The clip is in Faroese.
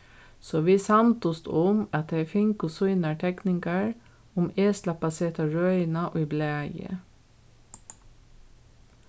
so vit samdust um at tey fingu sínar tekningar um eg slapp at seta røðina í blaðið